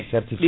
certifiées